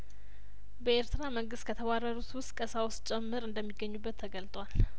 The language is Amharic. በኤርትራ መንግስት ከተባረሩት ውስጥ ቀሳውስት ጭምር እንደሚገኙበት ተገልጧል